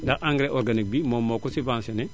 ndax engrais organique bi moom moo ko subventionné